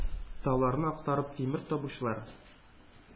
Тауларны актарып тимер табучылар,